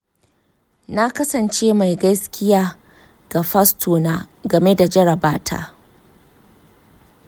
na kasance mai gaskiya ga fastona game da jaraba ta.